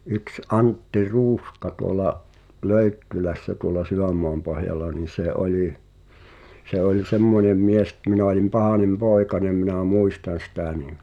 yksi Antti Ruuska tuolla Löyttylässä tuolla Sydänmaanpohjalla niin se oli se oli semmoinen mies että minä olin pahainen poikanen minä muistan sitä niin